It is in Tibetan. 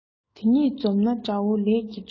དེ གཉིས འཛོམས ན དགྲ བོ ལས ཀྱིས འཇོམས